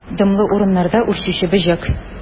Дымлы урыннарда үрчүче бөҗәк.